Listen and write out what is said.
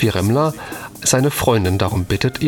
Remmler seine Freundin darum bittet